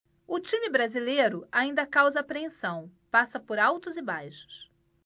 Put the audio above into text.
o time brasileiro ainda causa apreensão passa por altos e baixos